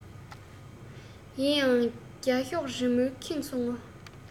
ཡིན ཡང རྒྱ ཤོག རི མོས ཁེངས སོང ངོ